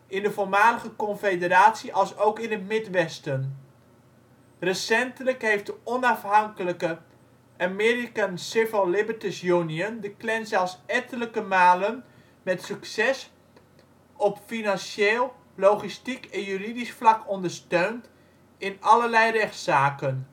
in de voormalige Confederatie alsook in het Midwesten. Recentelijk heeft de onafhankelijke American Civil Liberties Union de Klan zelfs ettelijke malen met succes op financieel, logistiek en juridisch vlak ondersteund in allerlei rechtszaken